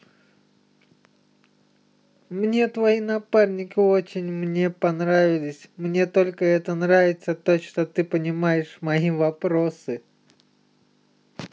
мне твои напарники очень мне понравились мне только это нравится то что ты понимаешь мои вопросы